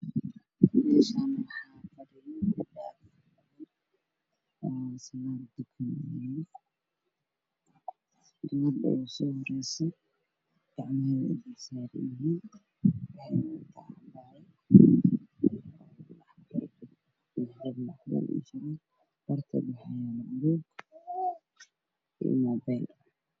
Wadada waxaa taagan labo gabdhood oo dhar mideb kiisu yahay dahabi wato